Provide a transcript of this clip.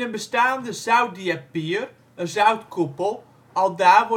bestaande zoutdiapier (een zoutkoepel) aldaar